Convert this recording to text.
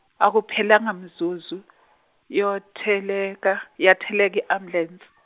akuphelanga mizuzu yotheleka, yatheleka ambulense .